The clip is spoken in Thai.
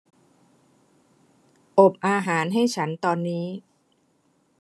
อบอาหารให้ฉันตอนนี้